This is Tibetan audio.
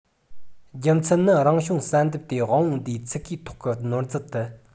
རྒྱུ མཚན ནི རང བྱུང བསལ འདེམས དེ དབང པོ འདིའི ཚུགས ཀའི ཐོག གི ནོར འཛོལ ཐད དུ